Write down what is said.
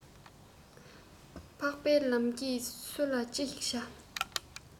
འཕགས པའི ལམ གྱིས སུ ལ ཅི ཞིག བྱ